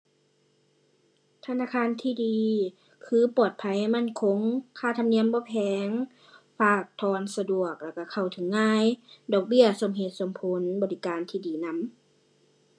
ธนาคารที่ดีคือปลอดภัยมั่นคง ค่าธรรมเนียมบ่แพง ฝากถอนสะดวกแล้วก็เข้าถึงง่าย ดอกเบี้ยสมเหตุสมผล บริการที่ดีนำ